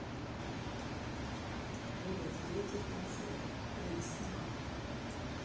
голос дети концерт таисия